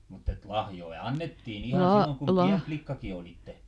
mutta että lahjoja annettiin ihan silloin kun pieni likkakin olitte